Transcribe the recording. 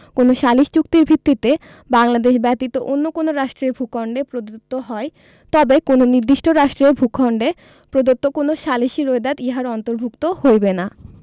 কোন সালিস চুক্তির ভিত্তিতে বাংলাদেশ ব্যতীত অন্য কোন রাষ্ট্রের ভূখন্ডে প্রদত্ত হয় তবে কোন নির্দিষ্ট রাষ্ট্রের ভূখন্ডে প্রদত্ত কোন সালিসী রোয়েদাদ ইহার অন্তর্ভুক্ত হইবে না